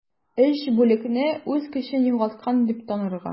3 бүлекне үз көчен югалткан дип танырга.